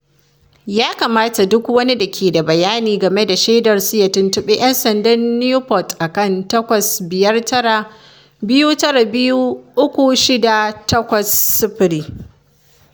Kanye West: Mawaƙin Rap ya canza sunansa zuwa Ye